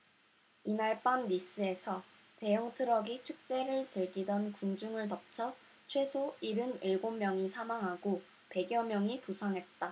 이날 밤 니스에서 대형트럭이 축제를 즐기던 군중을 덮쳐 최소 일흔 일곱 명이 사망하고 백 여 명이 부상했다